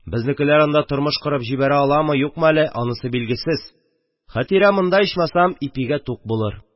Безнекеләр анда тормыш корып җибәрә аламы, юкмы әле – анысы билгесез, Хәтирә монда ичмасам ипигә тук булыр.